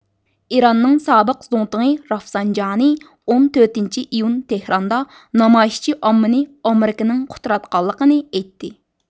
ئىراننىڭ سابىق زۇڭتۇڭى رافسانجانى ئون تۆتىنچى ئىيۇن تېھراندا نامايىشچى ئاممىنى ئامېرىكىنىڭ قۇتراتقانلىقىنى ئېيتتى